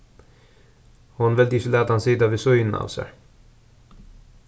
hon vildi ikki lata hann sita við síðuna av sær